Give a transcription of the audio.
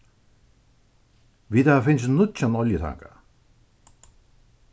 vit hava fingið nýggjan oljutanga